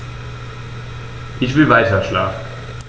Ich will weiterschlafen.